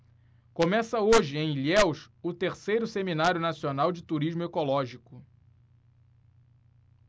começa hoje em ilhéus o terceiro seminário nacional de turismo ecológico